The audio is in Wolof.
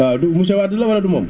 waaw du monsieur Wade la wala du moom